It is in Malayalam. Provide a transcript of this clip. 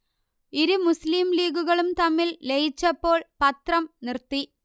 ഇരു മുസ്ലിം ലീഗുകളും തമ്മിൽ ലയിച്ചപ്പോൾ പത്രം നിർത്തി